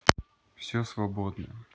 все свободно